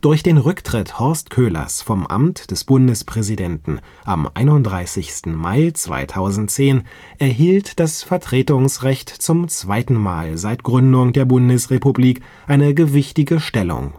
Durch den Rücktritt Horst Köhlers vom Amt des Bundespräsidenten am 31. Mai 2010 erhielt das Vertretungsrecht zum zweiten Mal seit Gründung der Bundesrepublik eine gewichtige Stellung.